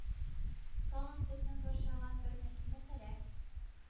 Тагын безне борчыган бер мөһим мәсьәлә